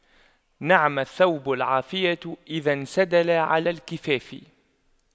نعم الثوب العافية إذا انسدل على الكفاف